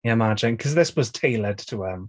Yeah, imagine, because this was tailored to them.